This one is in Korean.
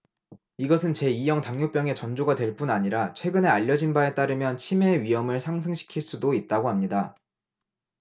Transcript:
이것은 제 이 형 당뇨병의 전조가 될 뿐 아니라 최근에 알려진 바에 따르면 치매의 위험을 상승시킬 수도 있다고 합니다